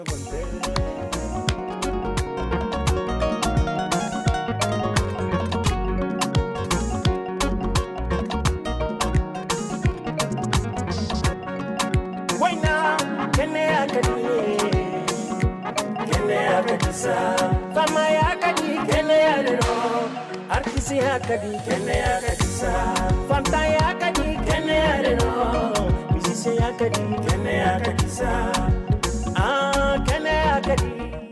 Miniyanɲa kɛnɛyayakaritigɛ sa faamaya ka kelenyarare la a siya ka kɛnɛyayara sa faamaya ka kɛnɛyayara la siya ka kɛnɛyayara a kɛnɛyakari